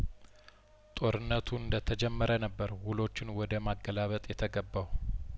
ጦርነቱ እንደተጀመረ ነበርው ሎችን ወደ ማገላበጥ የተገባው